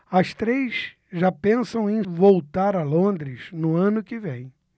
as três já pensam em voltar a londres no ano que vem